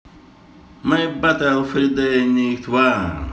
my battle friday night ван